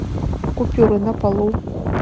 купюры на полу